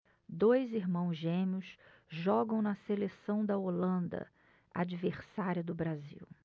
dois irmãos gêmeos jogam na seleção da holanda adversária do brasil